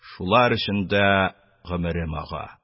Шулар эчендә гомерем ага.